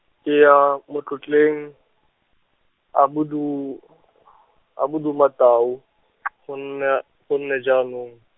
ke ya matlotleng, a Bodu- , a Bodumatau , go nna, gonne jaanong.